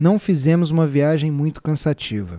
não fizemos uma viagem muito cansativa